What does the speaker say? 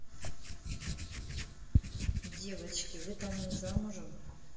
девочки вы там не замужем